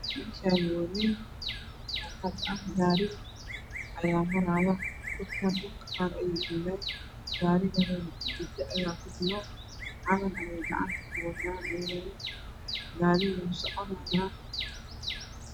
Meeshaani waa meel bacaad ah gaari aya maraayo dadka qaar dhulka ayey joogaan gaarigana gabdho aya ku jiro calan ayey gacanta ku wataan gaariga wuu socanaaya